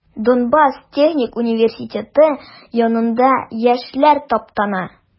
Донбасс техник университеты янында яшьләр таптана.